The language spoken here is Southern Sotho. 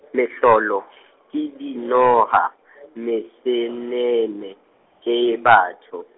mehlolo , ke dinoha , mesenene, ke batho.